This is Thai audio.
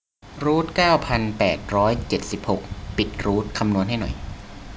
รูทเก้าพันแปดร้อยเจ็ดสิบหกปิดรูทคำนวณให้หน่อย